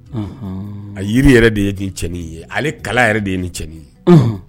A yiri yɛrɛ de ye nin cɛnin ye ale kala yɛrɛ de ye nin cɛnin ye, unhun